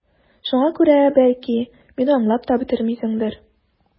Шуңа күрә, бәлки, мине аңлап та бетермисеңдер...